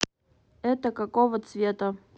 это какого цвета